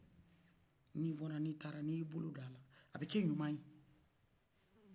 n'i bɔla n'y'i taara n'ye bolo bilala a be kɛ ɲuman yew